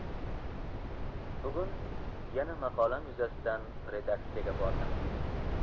bugun yana maqolam yuzasidan redaktsiyaga bordim